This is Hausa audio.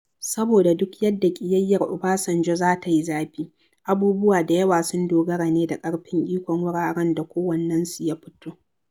Saboda duk yadda ƙiyayyar Obasanjo za ta yi zafi, abubuwa da yawa sun dogara ne da ƙarfin ikon wuraren da kowannensu ya fito.